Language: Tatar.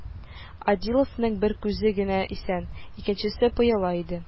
Адилов-ның бер күзе генә исән, икенчесе пыяла иде